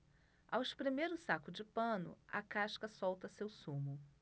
ao espremer o saco de pano a casca solta seu sumo